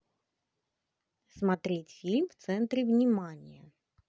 смотреть фильм в центре внимания